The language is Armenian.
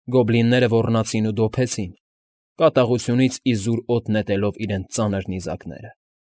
Գոբլինները ոռնացին ու դոփեցին, կատաղությունից իզուր օդ նետելով իրենց ծանր նիզակները։